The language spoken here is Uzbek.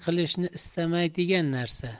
qilishni istamaydigan narsa